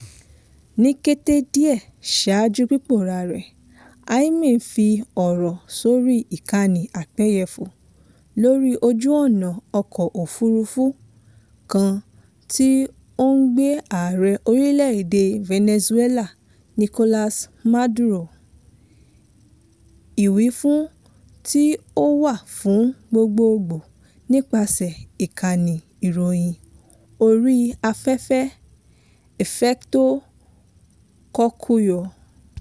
Ní kété díẹ̀ ṣáájú pípòórá rẹ̀, Jaimes fi ọ̀rọ̀ sórí ìkànnì abẹ́yẹfò lórí ojú ọ̀nà ọkọ̀ òfurufú kan tí ó ń gbé Ààrẹ orílẹ̀ èdè Venezuela Nicolas Maduro, ìwífún tí ó wà fún gbogbogbò nípasẹ̀ ìkànnì ìròyìn orí afẹ́fẹ́ Efecto Cocuyo.